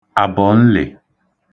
àbọ̀nlị̀